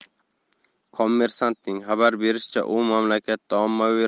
kommersant ning xabar berishicha u mamlakatga ommaviy